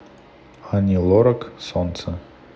ани лорак солнце